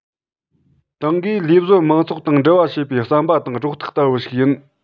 ཏང གིས ལས བཟོ མང ཚོགས དང འབྲེལ བ བྱེད པའི ཟམ པ དང སྒྲོག ཐག ལྟ བུ ཞིག ཡིན